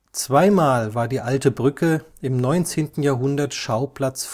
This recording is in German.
Zweimal war die Alte Brücke im 19. Jahrhundert Schauplatz